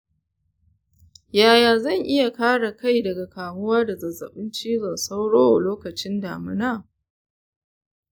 yaya zan iya kare kai daga kamuwa da zazzabin cizon sauro lokacin damina?